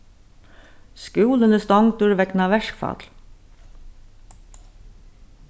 skúlin er stongdur vegna verkfall